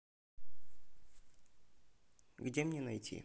где мне найти